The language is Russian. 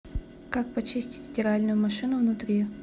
как почистить стиральную машину внутри